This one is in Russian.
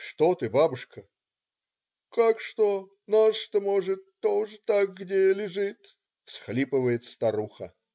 "Что ты, бабушка?" "Как что,- наш-то, может, тоже так где лежит",- всхлипывает старуха.